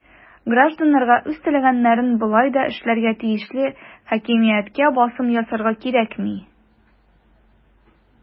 Гражданнарга үз теләгәннәрен болай да эшләргә тиешле хакимияткә басым ясарга кирәкми.